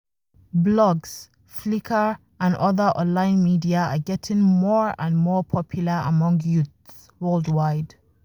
Blogs, Flickr and other online media are getting more and more popular among youth worldwide.